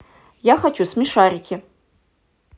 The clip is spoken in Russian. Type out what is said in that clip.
я хочу смешарики